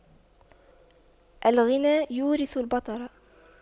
الغنى يورث البطر